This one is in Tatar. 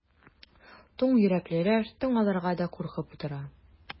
Туң йөрәклеләр тын алырга да куркып утыра.